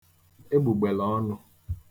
egbùgbèlè ọnụ̄